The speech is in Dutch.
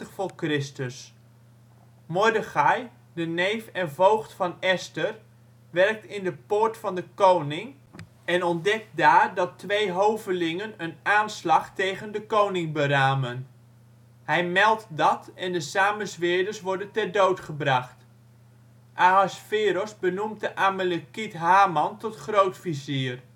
480 v.Chr.). Mordechai, de neef en voogd van Esther, werkt in de poort van de koning en ontdekt daar dat twee hovelingen een aanslag tegen de koning beramen. Hij meldt dat en de samenzweerders worden ter dood gebracht. Ahasveros benoemt de Amalekiet Haman tot grootvizier